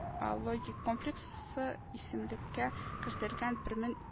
Ологик комплексы исемлеккә кертелгән бермен